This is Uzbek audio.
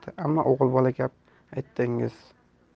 ketdi ammo o'g'ilbola gap aytdingiz